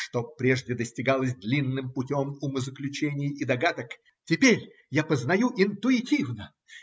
Что прежде достигалось длинным путем умозаключений и догадок, теперь я познаю интуитивно.